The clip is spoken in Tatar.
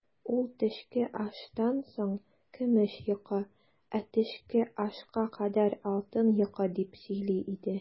Ул, төшке аштан соң көмеш йокы, ә төшке ашка кадәр алтын йокы, дип сөйли иде.